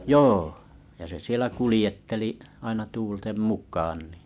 joo ja se siellä kuljetteli aina tuulten mukaan niin